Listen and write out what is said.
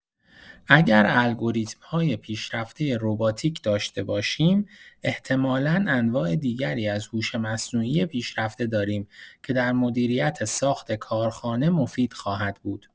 اگر الگوریتم‌های پیشرفته رباتیک داشته باشیم، احتمالا انواع دیگری از هوش مصنوعی پیشرفته داریم که در مدیریت ساخت کارخانه مفید خواهد بود.